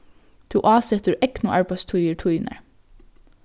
tú ásetir egnu arbeiðstíðir tínar